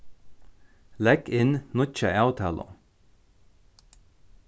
legg inn nýggja avtalu